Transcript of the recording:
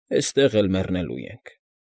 Էստեղ էլ մեռնելու ենք։